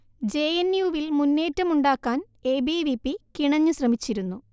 J N U വിൽ മുന്നേറ്റം ഉണ്ടാക്കാൻ എ ബി വി പി കിണഞ്ഞ് ശ്രമിച്ചിരുന്നു